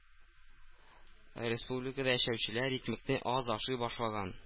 Республикада яшәүчеләр икмәкне аз ашый башлаган